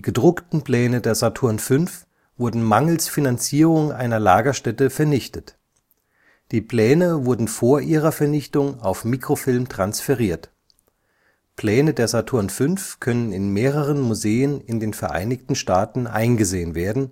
gedruckten Pläne der Saturn V wurden mangels Finanzierung einer Lagerstätte vernichtet. Die Pläne wurden vor ihrer Vernichtung auf Mikrofilm transferiert. Pläne der Saturn V können in mehreren Museen in den Vereinigten Staaten eingesehen werden,